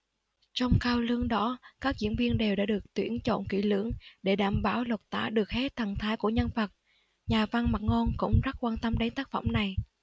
trong cao lương đỏ các diễn viên đều đã được tuyển chọn kỹ lưỡng để đảm bảo lột tả được hết thần thái của nhân vật nhà văn mạc ngôn cũng rất quan tâm đến tác phẩm này